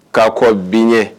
K'a kɔn bi ɲɛ